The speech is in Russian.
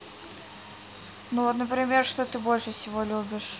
ну вот например что ты больше всего любишь